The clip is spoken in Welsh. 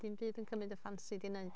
Dim byd yn cymryd dy ffansi di wneud.